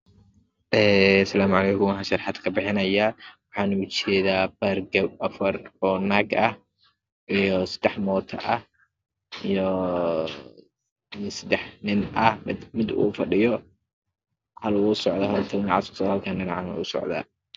Asc waxan sharaxad kabixinaya afar nag ah sadax moto ah sadax nin ah mid oo fadhiyo midna dhinaca u socdo mida dhinacan kle u socdo